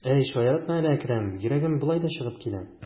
Әй, шаяртма әле, Әкрәм, йөрәгем болай да чыгып килә.